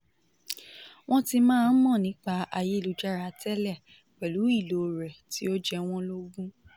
- Wọ́n ti máa ń mọ̀ nípa Ayélujára tẹ́lẹ̀, pẹ̀lú ìlò rẹ̀ tí ó jẹ wọ́n lógún.